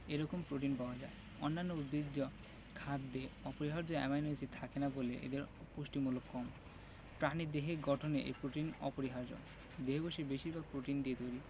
এরকম প্রোটিন পাওয়া যায় অন্যান্য উদ্ভিজ্জ খাদ্যে অপরিহার্য অ্যামাইনো এসিড থাকে না বলে এদের পুষ্টিমূল্য কম প্রাণীদেহের গঠনে প্রোটিন অপরিহার্য দেহকোষের বেশির ভাগই প্রোটিন দিয়ে তৈরি